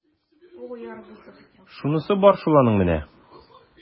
Шунысы бар шул аның менә! ..